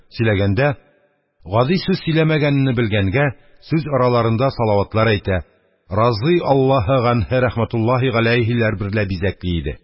Сөйләгәндә, гади сүз сөйләмәгәнене белгәнгә, сүз араларында салаватлар әйтә, «Разый Аллаһе ганһе, рәхмәтуллаһи галәйһи»ләр берлә бизәкли иде